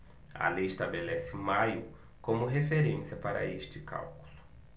a lei estabelece maio como referência para este cálculo